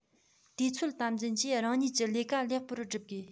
དུས ཚོད དམ འཛིན གྱིས རང ཉིད ཀྱི ལས ཀ ལེགས པོ བསྒྲུབ དགོས